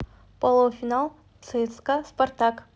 полуфинал цска спартак